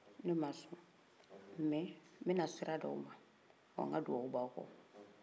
ne ma sɔn mais n bɛna sira d'aw ma wa n ka dugawu b'aw kɔ